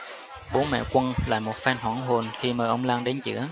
bố mẹ quân lại một phen hoảng hồn đi mời ông lang đến chữa